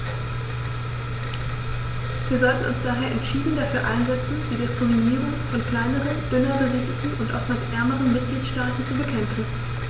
Wir sollten uns daher entschieden dafür einsetzen, die Diskriminierung von kleineren, dünner besiedelten und oftmals ärmeren Mitgliedstaaten zu bekämpfen.